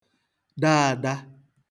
daādā